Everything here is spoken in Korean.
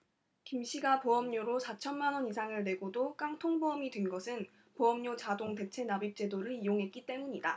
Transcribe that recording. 김씨가 보험료로 사천 만원 이상을 내고도 깡통보험이 된 것은 보험료 자동 대체납입제도를 이용했기 때문이다